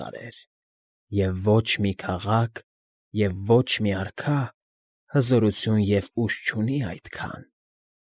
Սարեր. Եվ ոչ մի քաղաք, և ոչ մի արքա Հզորություն և ուժ չունի այդքան։